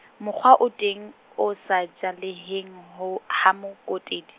mokgwa o teng, o sa jaleheng ho, ha Mokotedi.